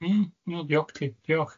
Hmm, wel diolch ti, diolch.